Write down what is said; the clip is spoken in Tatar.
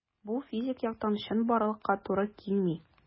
Бу физик яктан чынбарлыкка туры килми.